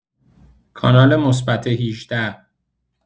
کانال مثبت ۱۸